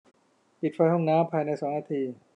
ปิดไฟห้องน้ำภายในสองนาที